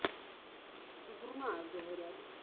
ты дурная говорят